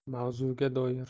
mavzuga doir